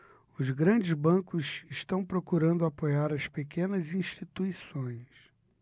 os grandes bancos estão procurando apoiar as pequenas instituições